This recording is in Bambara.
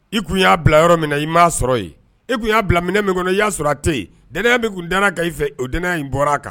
I tun y'a bila yɔrɔ min i m' sɔrɔ yen e y'a bila minɛ min kɔnɔ i y'a sɔrɔ a tɛ yen dɛnɛn bɛ tun d ka ii fɛ od in bɔra a kan